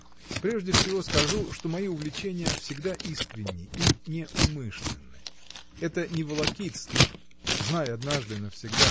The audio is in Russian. Прежде всего скажу, что мои увлечения всегда искренни и неумышленны, — это не волокитство — знай однажды навсегда.